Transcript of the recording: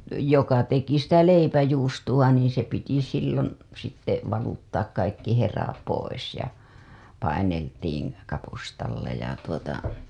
joka teki sitä leipäjuustoa niin se piti silloin sitten valuttaa kaikki hera pois ja paineltiin kapustalla ja tuota